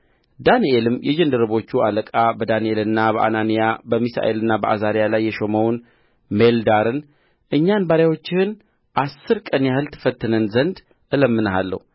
ዳንኤልም የጃንደርቦቹ አለቃ በዳንኤልና በአናንያ በሚሳኤልና በአዛርያ ላይ የሾመውን ሜልዳርን እኛን ባሪያዎችህን አሥር ቀን ያህል ትፈትነን ዘንድ እለምንሃለሁ